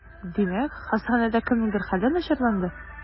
Димәк, хастаханәдә кемнеңдер хәле начарланды?